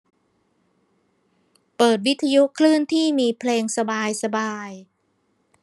เปิดวิทยุคลื่นที่มีเพลงสบายสบาย